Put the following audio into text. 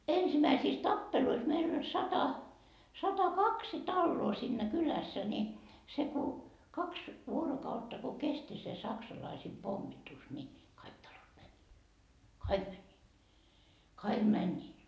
ensimmäisissä tappeluissa meillä oli sata satakaksi taloa siinä kylässä niin se kun kaksi vuorokautta kun kesti se saksalaisten pommitus niin kaikki talot meni kaikki menivät kaikki menivät